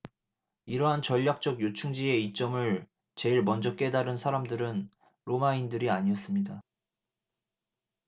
이러한 전략적 요충지의 이점을 제일 먼저 깨달은 사람들은 로마인들이 아니었습니다